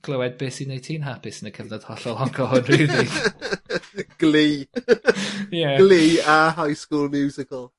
glywed beth sy neud ti'n hapus yn y cyfnod hollol honco hwn rili. . Glee. Ie. Glee a High School Musical.